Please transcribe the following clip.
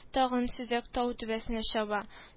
Тагын сөзәк тау түбәсенә чаба